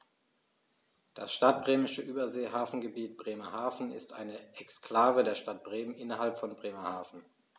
Das Stadtbremische Überseehafengebiet Bremerhaven ist eine Exklave der Stadt Bremen innerhalb von Bremerhaven.